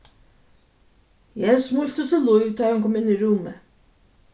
jens smíltist til lív tá ið hon kom inn í rúmið